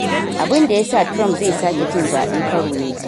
Abun Da Ya Sa Trump Zai Sake Cin Zabe Karo na Biyu